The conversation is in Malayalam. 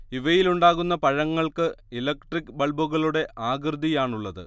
ഇവയിലുണ്ടാകുന്ന പഴങ്ങൾക്ക് ഇലക്ട്രിക് ബൾബുകളുടെ ആകൃതിയാണുള്ളത്